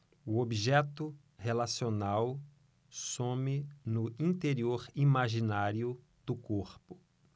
o objeto relacional some no interior imaginário do corpo